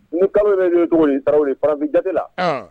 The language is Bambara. Ni kaba bɛ tuguni tarawele ye pafin ja la